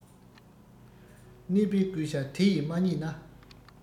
གནས པས བསྐུལ བྱ དེ ཡིས མ རྙེད ན